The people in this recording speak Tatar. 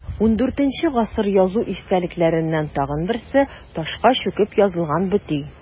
ХIV гасыр язу истәлекләреннән тагын берсе – ташка чүкеп язылган бөти.